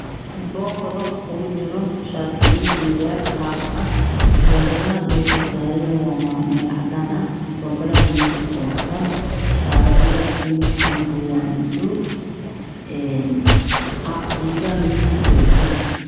Boom bale ugu jiro shaati iyo surwaal haaf ah boom balaha meesha uu saaran yahay waa meel cadaan ah boom balaha midabkiisa waa cadaan shaatiga midab kiisa waa madoow haaf jaygane waa giriin